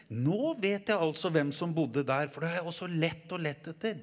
nå vet jeg altså hvem som bodde der for det har jeg også lett og lett etter.